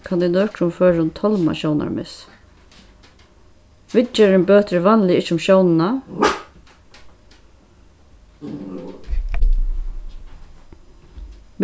kann í nøkrum førum tálma sjónarmiss viðgerðin bøtir vanliga ikki um sjónina